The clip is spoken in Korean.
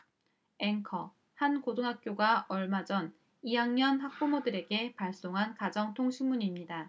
앵커 한 고등학교가 얼마 전 이 학년 학부모들에게 발송한 가정통신문입니다